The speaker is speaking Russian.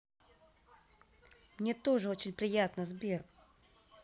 мне тоже очень приятно сбер